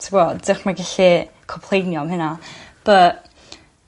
T'bo' dychmygu 'lly complainio am hynna but